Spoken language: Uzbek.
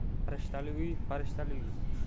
sarishtali uy farishtali uy